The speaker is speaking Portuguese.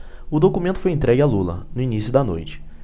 o documento foi entregue a lula no início da noite